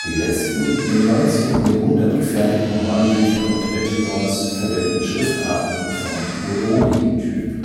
letzten, im 19. Jahrhundert gefertigten Hornbücher und Battledores verwenden Schriftarten vom Bodoni-Typ